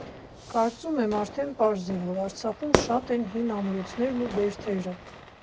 Կարծում եմ արդեն պարզ է, որ Արցախում շատ են հին ամրոցներն ու բերդերը։